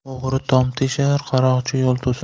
o'g'ri tom teshar qaroqchi yo'l to'sar